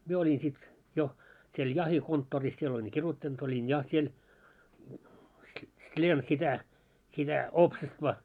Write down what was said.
minä olin sitten jo siellä jahtikonttorissa siellä olin kirjoittanut olin ja siellä sliem sitä sitä oopsestva